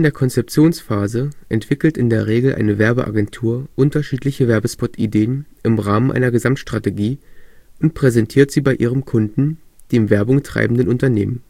Konzeptionsphase entwickelt in der Regel eine Werbeagentur unterschiedliche Werbespot-Ideen im Rahmen einer Gesamtstrategie und präsentiert sie bei ihrem Kunden, dem Werbung treibenden Unternehmen